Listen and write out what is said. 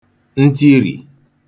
ntirì